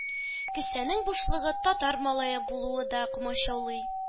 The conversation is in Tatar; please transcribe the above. Кесәнең бушлыгы, татар малае булуы да комачаулый